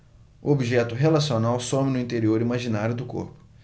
o objeto relacional some no interior imaginário do corpo